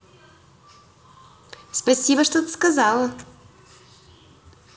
спасибо что ты сказала